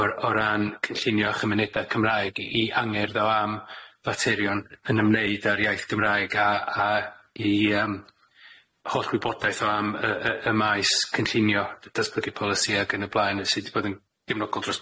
o'r o ran cynllunio chymunedau Cymraeg i angerdd o am faterion yn ymwneud â'r iaith Gymraeg a a i yym holl wybodaeth o am y y y maes cynllunio datblygu polisi ag yn y blaen sydd di bod yn gefnogol dros